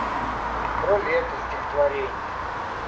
про лето стихотворение